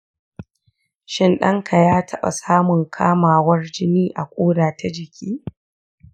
shin ɗanka ya taɓa samun kamawar jini a ƙoda ta jiki?